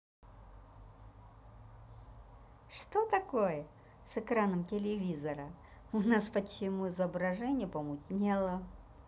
что такое с экраном телевизора у нас почему изображение помутнело